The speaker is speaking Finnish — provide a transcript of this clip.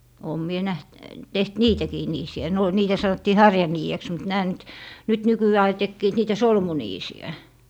olen minä nähnyt tehnyt niitäkin niisiä ne - niitä sanottiin harjaniideksi mutta nämä nyt nyt nykyään aina tekivät niitä solmuniisiä